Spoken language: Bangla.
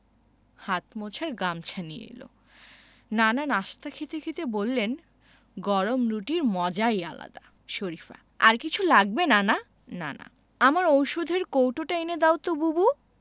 হাত মোছার গামছা নিয়ে এলো নানা নাশতা খেতে খেতে বললেন গরম রুটির মজাই আলাদা শরিফা আর কিছু লাগবে নানা নানা আমার ঔষধের কৌটোটা এনে দাও বুবু